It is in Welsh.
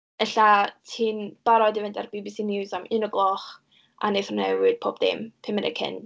Ella ti'n barod i fynd ar BBC News am un o'r gloch, a wneith o newid pob dim pum munud cyn.